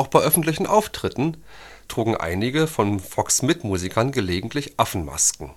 bei öffentlichen Auftritten trugen einige von Fox ' Mitmusikern gelegentlich Affenmasken